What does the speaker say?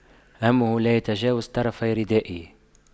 همه لا يتجاوز طرفي ردائه